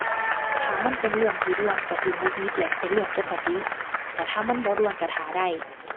ถ้ามันเป็นเรื่องที่ด่วนก็สิหงุดหงิดแหละ เป็นเรื่องปกติ แต่ถ้ามันบ่ด่วนก็ท่าได้